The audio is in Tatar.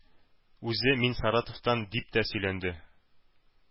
Үзе: “Мин Саратовтан”, – дип тә сөйләнде.